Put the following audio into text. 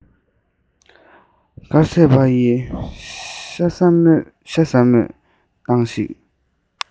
དཀར ཟས པ ཡིས ཤ ཟ སྨོད སྟངས ཤིག